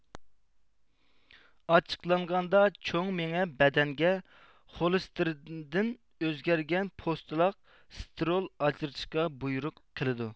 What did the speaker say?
ئاچچىقلانغاندا چوڭ مېڭە بەدەنگە خولېستېرىندىن ئۆزگەرگەن پوستلاق سترول ئاجرىتىشقا بۇيرۇق قىلىدۇ